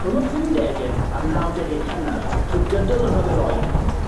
Rhwng y pumdege a'r nawdege cynnar, trwy gydol y rhyfel oer